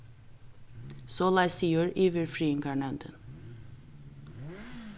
soleiðis sigur yvirfriðingarnevndin